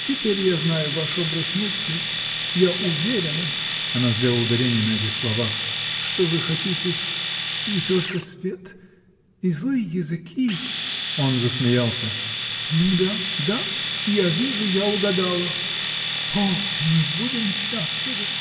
Теперь я знаю ваш образ мыслей, я уверена (она сделала ударение на этих словах), что вы хотите. и только свет. и злые языки. Он засмеялся. — Ну да — да. Я вижу, я угадала! О, мы будем счастливы!